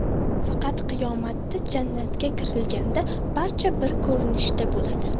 faqat qiyomatda jannatga kirilganda barcha bir ko'rinishda bo'ladi